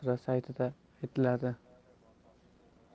qasri saytida aytiladi